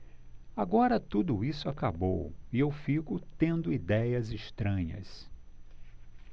agora tudo isso acabou e eu fico tendo idéias estranhas